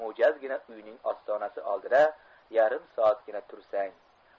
mo'jazgina uyning ostonasi oldida yarim soatgina tursang